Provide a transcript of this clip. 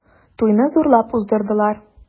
Туйны зурлап уздырдылар.